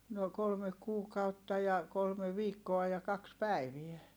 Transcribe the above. no kolme kuukautta ja kolme viikkoa ja kaksi päivää